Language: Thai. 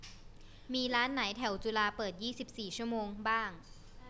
มีร้านไหนแถวจุฬาเปิดยี่สิบสี่ชั่วโมงบ้าง